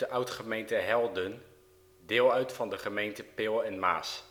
oud-gemeente Helden, deel uit van de gemeente Peel en Maas